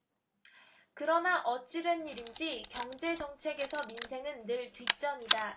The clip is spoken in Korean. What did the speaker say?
그러나 어찌된 일인지 경제정책에서 민생은 늘 뒷전이다